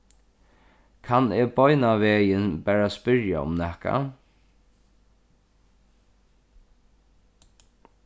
kann eg beinanvegin bara spyrja um nakað